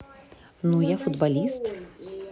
ну я футболист